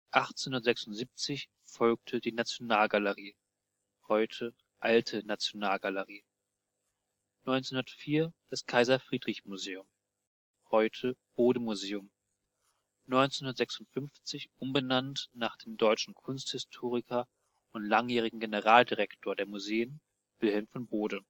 1876 folgte die Nationalgalerie, (heute Alte Nationalgalerie), 1904 das Kaiser-Friedrich-Museum (heute Bode-Museum, 1956 umbenannt nach dem deutschen Kunsthistoriker und langjährigen Generaldirektor der Museen, Wilhelm von Bode